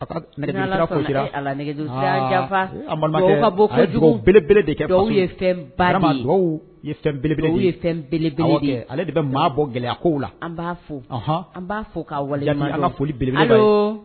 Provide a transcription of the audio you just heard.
Bele ale de bɛ maa gɛlɛya